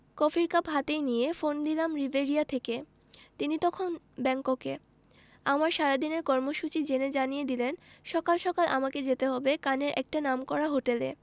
কফির কাপ হাতেই নিয়ে ফোন দিলাম রিভেরিয়া থেকে তিনি তখন ব্যাংককে আমার সারাদিনের কর্মসূচি জেনে জানিয়ে দিলেন সকাল সকাল আমাকে যেতে হবে কানের একটা নামকরা হোটেলে